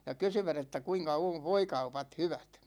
ja kysyivät että kuinka on voikaupat hyvät